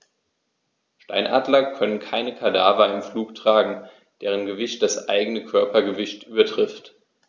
Steinadler können keine Kadaver im Flug tragen, deren Gewicht das eigene Körpergewicht übertrifft.